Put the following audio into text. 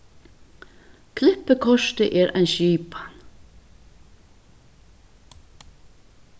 klippikortið er ein skipan